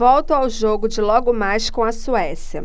volto ao jogo de logo mais com a suécia